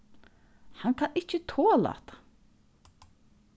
hann kann ikki tola hatta